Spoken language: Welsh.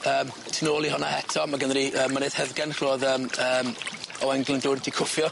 Yym tu nôl i hwnna eto ma' gynno ni yy mynydd Heddgen lle o'dd yym yym Owain Glyndwr 'di cwffio.